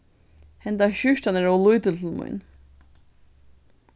henda skjúrtan er ov lítil til mín